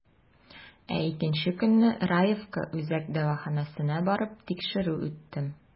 Ә икенче көнне, Раевка үзәк дәваханәсенә барып, тикшерү үттем.